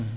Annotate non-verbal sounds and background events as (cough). (hesitation) (hesitation)